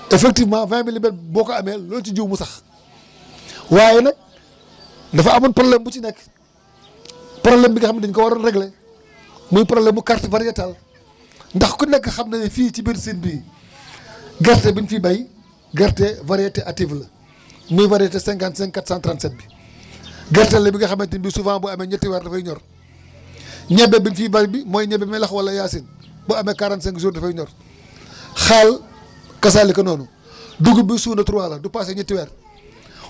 effectivement 20 milimètres boo ko amee loo ci jiw mu sax waaye nag dafa amoon problème bu ci nekk problème bi nga xam ne dañu ko war a réglé muy problème mu carte variétale ndax ku nekk xam na ne fii ci biir Sine bii gerte bi ñu fiy béy gerte variété active la muy variété 55 437 bi gerte la bi nga xamante ne bi souvent boo amee ñetti weer dafay ñor ñebe bi nga fiy béy bi mooy ñebe melax wala Yacine bu amee 45 jours dafay ñor xaal kasaalika noonu dugub bi suuna 3 la du paase ñetti weer